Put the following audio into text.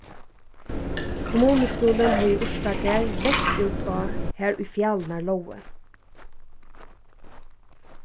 kommunuskúlin hevði urtagarð langt út á har ið fjalirnar lógu